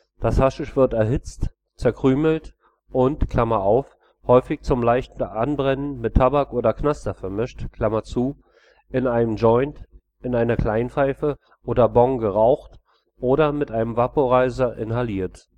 Das Haschisch wird erhitzt, zerkrümelt und (häufig zum leichter Anbrennen mit Tabak oder Knaster vermischt) in einem Joint, in einer Kleinpfeife oder Bong geraucht oder mit einem Vaporizer inhaliert